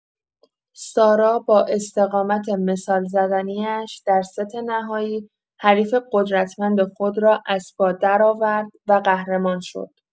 سارا با استقامت مثال‌زدنی‌اش در ست نهایی، حریف قدرتمند خود را از پا درآورد و قهرمان شد.